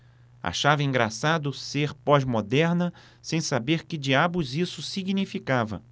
achava engraçado ser pós-moderna sem saber que diabos isso significava